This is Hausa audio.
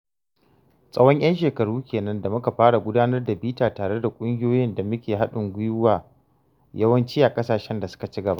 Tsawon 'yan shekaru ke nan da muka fara gudanar da bita tare da ƙungiyoyin da muke haɗin gwiwa yawanci a ƙasashe da suka ci gaba.